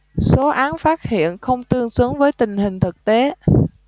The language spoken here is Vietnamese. số án phát hiện không tương xứng với tình hình thực tế